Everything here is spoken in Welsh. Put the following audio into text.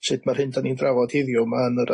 sut ma'r hyn 'da ni'n drafod heddiw 'ma yn yr